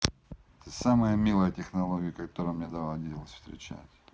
ты самая милая технология которая мне доводилось встречать